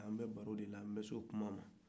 mais an bɛ baro de la n'bɛ se o kuma ma